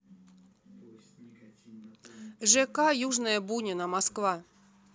жк южное бунино москва